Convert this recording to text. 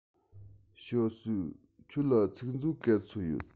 ཞའོ སུའུ ཁྱོད ལ ཚིག མཛོད ག ཚོད ཡོད